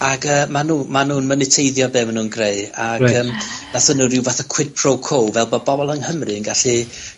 Ag yy ma' nw, ma' nw'n myniteiddio be' ma' nw'n greu ag... Reit. ...yym... Ah!. ...gason nw ryw fath o quid pro quo fel bo' bobol yng Nghymru yn gallu